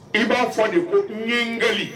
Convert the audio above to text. I b'a fɔ de ko ɲɛkali